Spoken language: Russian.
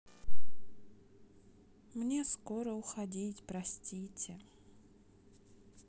мне скоро уходить простите